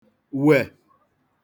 wè